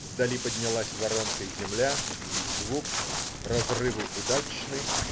Вдали поднялась воронкой земля. Звук. Разрывы удачны.